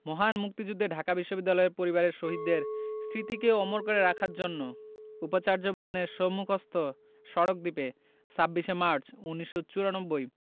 মহান মুক্তিযুদ্ধে ঢাকা বিশ্ববিদ্যালয় পরিবারের শহীদদের স্মৃতিকে অমর করে রাখার জন্য উপাচার্য ভবনের সম্মুখস্থ সড়ক দ্বীপে ২৬ মার্চ ১৯৯৪